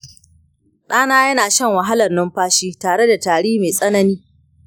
ɗana yana shan wahalar numfashi tare da tari mai tsanani